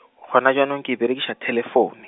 gona bja nong, ke be rekiša, thelefoune.